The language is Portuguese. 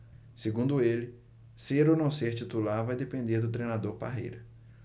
segundo ele ser ou não titular vai depender do treinador parreira